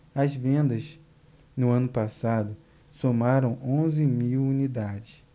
as vendas no ano passado somaram onze mil unidades